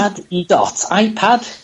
Pad i dot, I-Pad.